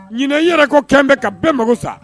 Ɲinɛ n yɛrɛ kɔ kɛlen bɛ ka bɛɛ magosa.